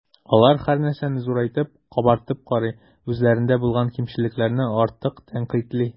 Алар һәрнәрсәне зурайтып, “кабартып” карый, үзләрендә булган кимчелекләрне артык тәнкыйтьли.